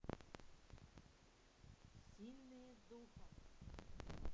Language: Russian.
сильные духом